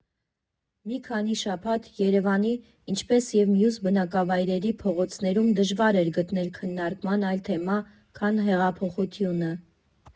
Մի քանի շաբաթ Երևանի (ինչպես և մյուս բնակավայրերի) փողոցներում դժվար էր գտնել քննարկման այլ թեմա, քան հեղափոխությունը։